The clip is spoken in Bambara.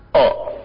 Ɛɛ